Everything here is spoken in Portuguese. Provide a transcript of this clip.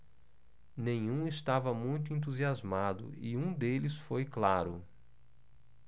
nenhum estava muito entusiasmado e um deles foi claro